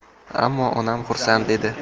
ammo onam xursand edi